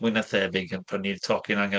mwy 'na thebyg yn prynu'r tocyn anghy-...